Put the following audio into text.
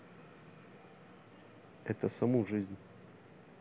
это саму жизнь